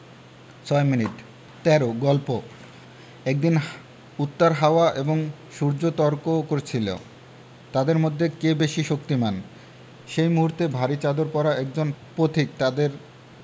৬ minute ১৩ গল্প একদিন উত্তর হাওয়া এবং সূর্য তর্ক করছিল তাদের মধ্যে কে বেশি শক্তিমান সেই মুহূর্তে ভারি চাদর পরা একজন পথিক তাদের